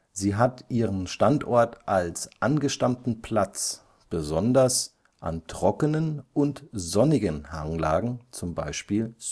Sie hat ihren Standort als angestammtem Platz besonders an trockenen und sonnigen Hanglagen (Südhängen). Wie